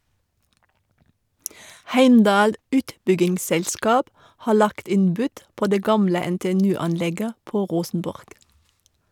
Heimdal utbyggingsselskap har lagt inn bud på det gamle NTNU-anlegget på Rosenborg.